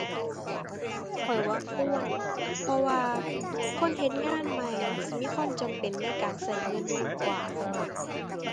ข้อยว่าควร เพราะว่าคนเฮ็ดงานใหม่สิมีความจำเป็นในการใช้เงินมากกว่า